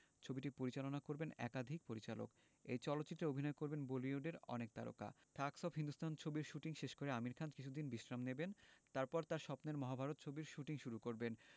ছবিটি পরিচালনা করবেন একাধিক পরিচালক এই চলচ্চিত্রে অভিনয় করবেন বলিউডের অনেক তারকা থাগস অব হিন্দুস্তান ছবির শুটিং শেষ করে আমির খান কিছুদিন বিশ্রাম নেবেন তারপর তাঁর স্বপ্নের মহাভারত ছবির শুটিং শুরু করবেন